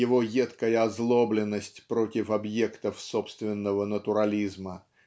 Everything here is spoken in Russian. его едкая озлобленность против объектов собственного натурализма